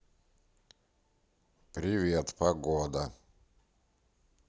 привет погода